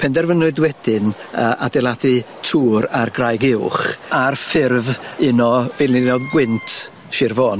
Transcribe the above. Penderfynwyd wedyn yy adeiladu tŵr ar graig uwch ar ffurf un o feilinodd gwynt Sir Fôn.